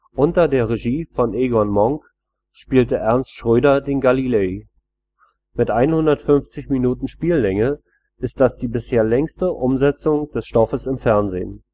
unter der Regie von Egon Monk spielte Ernst Schröder den Galilei. Mit 150 Minuten Spiellänge ist das die bisher längste Umsetzung des Stoffes im Fernsehen